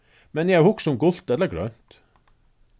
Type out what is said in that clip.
men eg havi hugsað um gult ella grønt